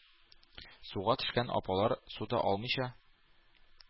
Суга төшкән апалар, су да алмыйча,